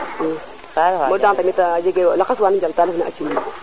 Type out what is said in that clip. monte tamit jega lakas wa nu njalta ref na a ciiñ nuun